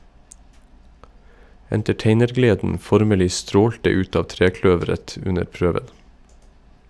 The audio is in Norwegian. Entertainergleden formelig strålte ut av trekløveret under prøven.